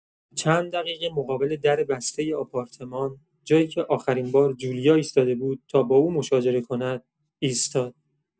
چند دقیقه مقابل در بسته آپارتمان، جایی که آخرین‌بار جولیا ایستاده بود تا با او مشاجره کند، ایستاد.